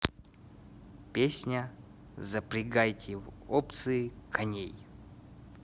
песня запрягайте в опции коней